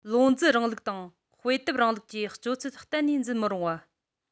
ལུང འཛིན རིང ལུགས དང དཔེ དེབ རིང ལུགས ཀྱི སྤྱོད ཚུལ གཏན ནས འཛིན མི རུང བ